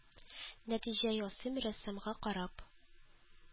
Нәтиҗә ясыйм, рәссамга карап